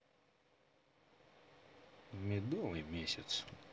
медовый месяц